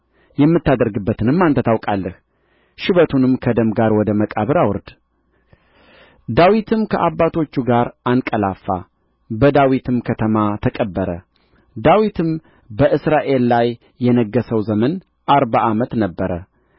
የምታደርግበትንም አንተ ታውቃለህ ሽበቱንም ከደም ጋር ወደ መቃብር አውርድ ዳዊትም ከአባቶቹ ጋር አንቀላፋ በዳዊትም ከተማ ተቀበረ ዳዊትም በእስራኤል ላይ የነገሠው ዘመን አርባ ዓመት ነበረ